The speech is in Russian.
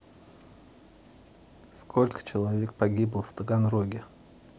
сколько человек погибло в таганроге